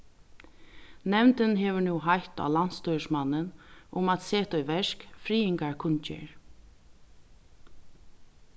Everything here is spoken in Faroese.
nevndin hevur nú heitt á landsstýrismannin um at seta í verk friðingarkunngerð